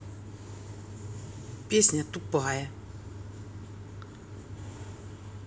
песня тупая